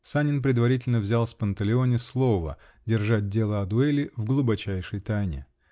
Санин предварительно взял с Панталеоне слово держать дело о дуэли в глубочайшей тайне.